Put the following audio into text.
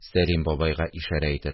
Сәлим бабайга ишарә итеп